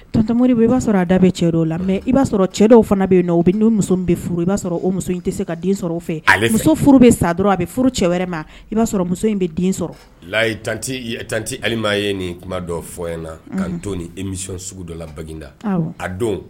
Tatomori i b'a sɔrɔ a da bɛ cɛ o la i b'a sɔrɔ cɛda fana bɛ yen nɔ o bɛ muso bɛ furu i b'a sɔrɔ o muso in tɛ se ka den sɔrɔ fɛ ale muso furu bɛ sa dɔrɔn a bɛ furu cɛ wɛrɛ ma i b'a sɔrɔ muso in bɛ den sɔrɔyi alilima ye nin kuma dɔ fɔy na kan ni emi sugu dɔ la bagda a don